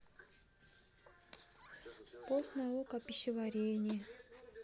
пост наука о пищеварении